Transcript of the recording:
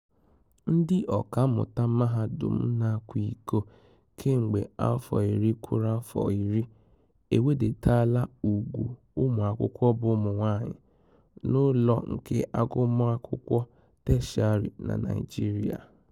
Ndị ọkammuta mahadum na-akwa iko kemgbe afọ iri kwụrụ afọ iri ewedataala ùgwù ụmụakwụkwọ bụ ụmụ nwaanyị n'ụlọọụ nke agụmakwụkwọ teshịarị na Naịjirịa.